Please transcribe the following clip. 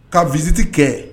Ka visite kɛ